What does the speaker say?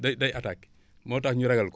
day day attaqué moo tax ñu ragal ko